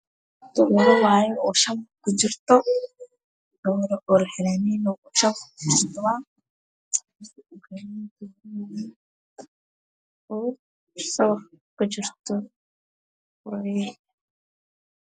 Halkan waxaa yalo shabaq oo dooro kujirto